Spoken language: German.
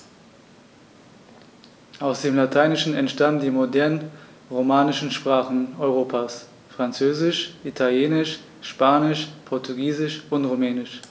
Aus dem Lateinischen entstanden die modernen „romanischen“ Sprachen Europas: Französisch, Italienisch, Spanisch, Portugiesisch und Rumänisch.